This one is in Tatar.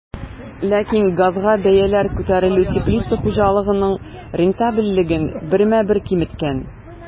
Ләкин газга бәяләр күтәрелү теплица хуҗалыгының рентабельлеген бермә-бер киметкән.